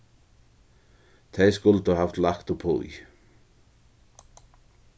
tey skuldu havt lagt uppí